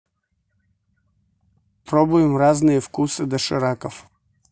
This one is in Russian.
пробуем разные вкусы дошираков